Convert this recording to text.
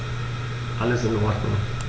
Alles in Ordnung.